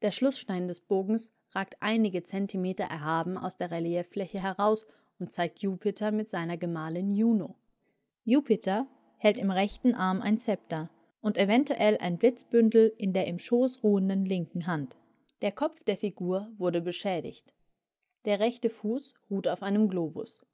Schlussstein des Bogens ragt einige Zentimeter erhaben aus der Relieffläche heraus und zeigt Jupiter mit seiner Gemahlin Juno. Jupiter hält im rechten Arm ein Zepter und ein Blitzbündel (?) in der im Schoss ruhenden linken Hand. Der Kopf der Figur wurde beschädigt. Der rechte Fuß ruht auf einem Globus